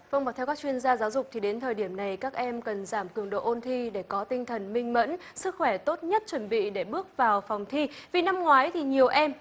vâng và theo các chuyên gia giáo dục thì đến thời điểm này các em cần giảm cường độ ôn thi để có tinh thần minh mẫn sức khỏe tốt nhất chuẩn bị để bước vào phòng thi vì năm ngoái thì nhiều em